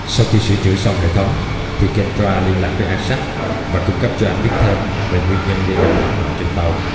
sau khi sửa chữa xong hệ thống thì kendra liên lạc với isaac và cung cấp cho anh biết thêm về nguyên nhân gây nên thảm hoạ trên tàu